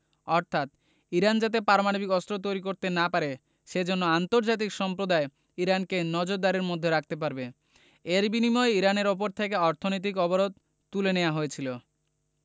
অর্থাৎ ইরান যাতে পারমাণবিক অস্ত্র তৈরি করতে না পারে সে জন্য আন্তর্জাতিক সম্প্রদায় ইরানকে নজরদারির মধ্যে রাখতে পারবে এর বিনিময়ে ইরানের ওপর থেকে অর্থনৈতিক অবরোধ তুলে নেওয়া হয়েছিল